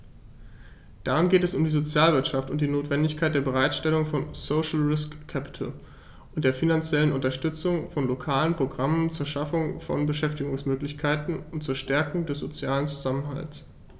Darin geht es um die Sozialwirtschaft und die Notwendigkeit der Bereitstellung von "social risk capital" und der finanziellen Unterstützung von lokalen Programmen zur Schaffung von Beschäftigungsmöglichkeiten und zur Stärkung des sozialen Zusammenhalts.